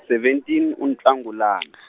seventeen uNhlangulana.